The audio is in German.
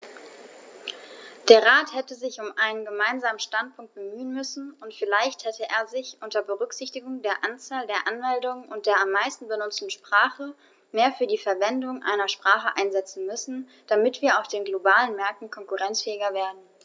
Der Rat hätte sich um einen gemeinsamen Standpunkt bemühen müssen, und vielleicht hätte er sich, unter Berücksichtigung der Anzahl der Anmeldungen und der am meisten benutzten Sprache, mehr für die Verwendung einer Sprache einsetzen müssen, damit wir auf den globalen Märkten konkurrenzfähiger werden.